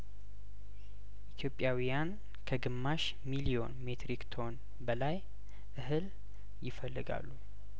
ኢትዮጵያዊያን ከግማሽ ሚሊዮን ሜትሪክ ቶን በላይ እህል ይፈልጋሉ